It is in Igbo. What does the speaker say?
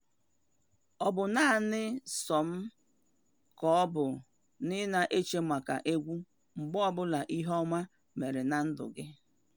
Ọ bụ naanị sọ m ka ọ bụ na ị na-eche maka egwu mgbe ọbụla ihe ọma mere na ndụ gị?